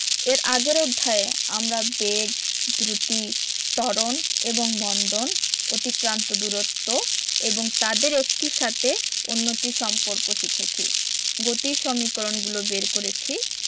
এর আগের অধ্যায়ে আমরা বেগ দ্রুতি ত্বরণ এবং মন্দন অতিক্রান্ত দূরত্ব এবং তাদের একটির সাথে অন্যটির সম্পর্ক শিখেছি গতির সমীকরণগুলো বের করেছি